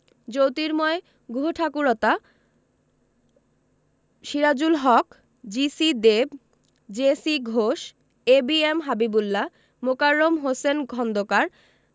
Jyotirmoy Guhathakurta Sirajul Haque G C Dev J C Ghosh A B M Habibullah Mokarram Hossain Khandakar